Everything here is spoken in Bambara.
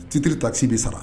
Citiri ta sibi sara